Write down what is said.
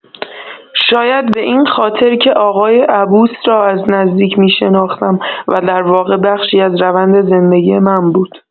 شاید به این خاطر که آقای عبوس را از نزدیک می‌شناختم و در واقع بخشی از روند زندگی من بود.